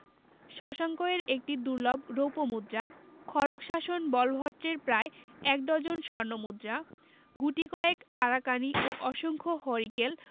শশাঙ্ক এর একটি দুর্লভ রৌপ্য মুদ্রা খড়গ শাসন বলভট্টের প্রায় এক ডজন স্বর্ণ মুদ্রা গুটি কয়েক আরাকানি ও অসংখ্য হরিকেল